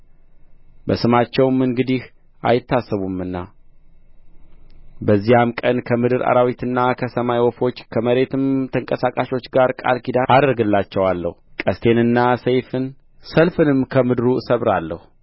በስማቸውም እንግዲህ አይታሰቡምና በዚያም ቀን ከምድር አራዊትና ከሰማይ ወፎች ከመሬትም ተንቀሳቃሾች ጋር ቃል ኪዳን አደርግላቸዋለሁ ቀስትንና ሰይፍን ሰልፍንም ከምድሩ እሰብራለሁ